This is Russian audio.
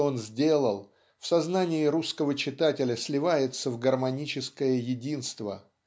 что он сделал в сознании русского читателя сливается в гармоническое единство.